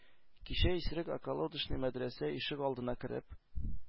Кичә исерек околодочный мәдрәсә ишек алдына кереп,